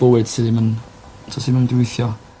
...bywyd sy dd'm yn t'o' sy 'im yn mynd i withio.